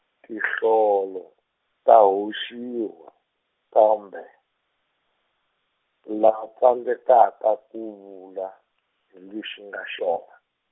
tinhlolo ta hoxiwa kambe la tsandzeka ku vula lexi nga xon-.